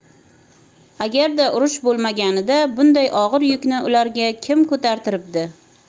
agarda urush bo'lmaganida bunday og'ir yukni ularga kim ko'tartiribdi